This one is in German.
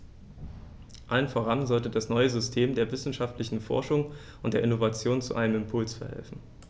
Allem voran sollte das neue System der wissenschaftlichen Forschung und der Innovation zu einem Impuls verhelfen.